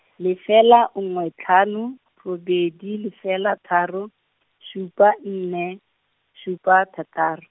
lefela nngwe tlhano, robedi lefela tharo, supa nne, supa thataro.